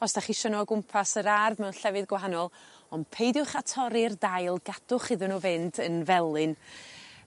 os 'dach chi isio n'w o gwmpas yr ardd mewn llefydd gwahanol on' peidiwch â torri'r dail gadwch iddyn nhw fynd yn felyn.